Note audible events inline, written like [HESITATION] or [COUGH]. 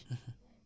[HESITATION] [HESITATION]